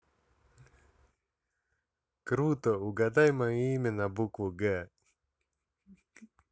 круто угадай мое имя мое имя на букву г